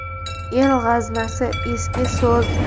el g'aznasi eski so'z